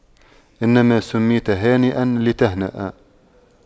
إنما سُمِّيتَ هانئاً لتهنأ